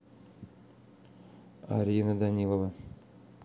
арина данилова